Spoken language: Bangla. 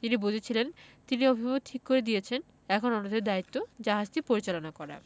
তিনি বুঝেছিলেন তিনি অভিমুখ ঠিক করে দিয়েছেন এখন অন্যদের দায়িত্ব জাহাজটি পরিচালনা করা